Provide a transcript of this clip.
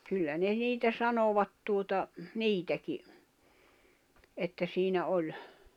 kyllä ne niitä sanoivat tuota niitäkin että siinä oli